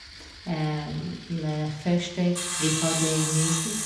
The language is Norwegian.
Med første vi hadde musikk.